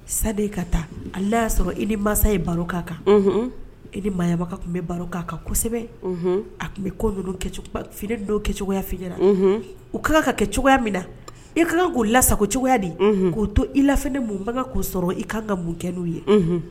Sa ka taa a'a y yaa sɔrɔ i bɛ masa ye baro kana kan i bɛ maabaga kun bɛ baro kan a kan kosɛbɛ a tun bɛ ko don kɛ cogoyaya f u kan ka kɛ cogoya min na i ka kan k'o lasago cogoyaya de k'o to i laf mun bange k'o sɔrɔ i ka kan ka mun kɛ n'u ye